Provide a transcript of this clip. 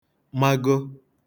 mago